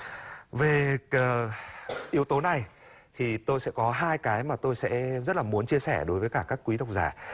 về ờ yếu tố này thì tôi sẽ có hai cái mà tôi sẽ rất là muốn chia sẻ đối với cả các quý độc giả